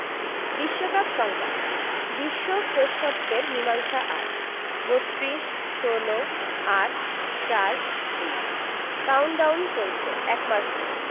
বিশ্বকাপ সংবাদ বিশ্ব শ্রেষ্ঠত্বের মীমাংসা আজ ৩২ ১৬ ৮ ৪ ২ কাউন্টডাউন চলছে এক মাস ধরে